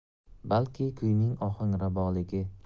balki kuyning ohangraboligi